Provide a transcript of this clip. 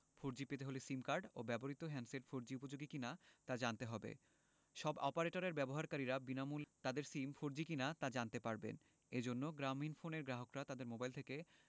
four G পেতে হলে sim card ও ব্যবহৃত হ্যান্ডসেট ফোরজি উপযোগী কিনা তা জানতে হবে সব অপারেটরের ব্যবহারকারীরা বিনামূল্যে তাদের সিম ফোরজি কিনা তা জানতে পারবেন এ জন্য গ্রামীণফোনের গ্রাহকরা তাদের মোবাইল থেকে